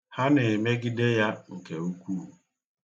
Ha na-emegide ya nke ukwuu.